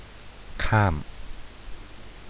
ข้าม